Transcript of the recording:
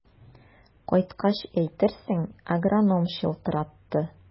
Кайткач әйтерсең, агроном чылтыратты.